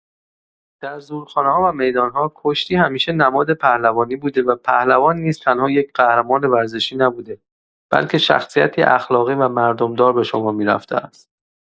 در زورخانه‌ها و میدان‌ها، کشتی همیشه نماد پهلوانی بوده و پهلوان نیز تنها یک قهرمان ورزشی نبوده بلکه شخصیتی اخلاقی و مردم‌دار به شمار می‌رفته است.